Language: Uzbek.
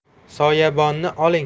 soyabonni oling